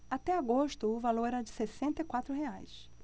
até agosto o valor era de sessenta e quatro reais